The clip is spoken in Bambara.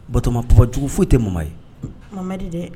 Batoma papa jugu foyi te Mama ye Mamɛdi dɛ